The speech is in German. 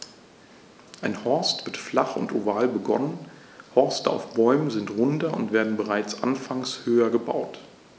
Ein Horst wird flach und oval begonnen, Horste auf Bäumen sind runder und werden bereits anfangs höher gebaut.